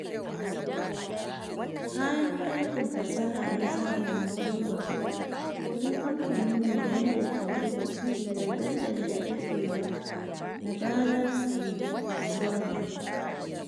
Kayan aikin fasaha na zamani Inrupt, wani kamfanin ne wanda ke gina cibiyar dandalin budewa na Berners-Lee Solid.